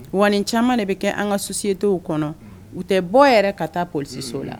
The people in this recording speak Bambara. Wa caman de bɛ kɛ an ka susit kɔnɔ u tɛ bɔ yɛrɛ ka taa pso la